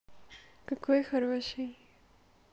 какой хороший